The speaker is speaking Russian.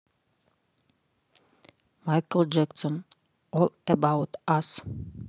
майкл джексон ол эбаут ас